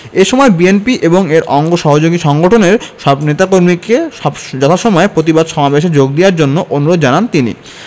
এ সময় বিএনপি এবং এর অঙ্গ সহযোগী সংগঠনের সব নেতাকর্মীকে যথাসময়ে প্রতিবাদ সমাবেশে যোগ দেয়ার জন্য অনুরোধ জানান তিনি